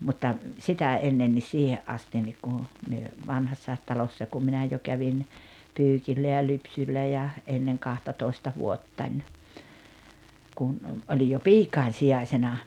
mutta sitä ennen niin siihen asti niin kun me Vanhassakin Talossa kun minä jo kävin pyykillä ja lypsyllä ja ennen kahtatoista vuottani kun olin jo piikojen sijaisena